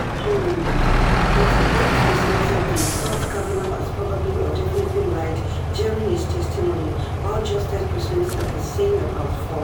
Additionally, 38 percent said they thought Kavanaugh has probably or definitely lied during his testimony, while just 30 percent said the same about Ford.